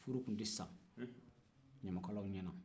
furu tun tɛ sa ɲamakalaw ɲɛna